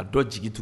A dɔ jigin tugun